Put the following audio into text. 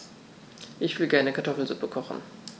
Ich will gerne Kartoffelsuppe kochen.